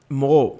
Mɔgɔ